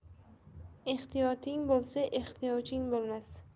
ehtiyoting bo'lsa ehtiyojing bo'lmas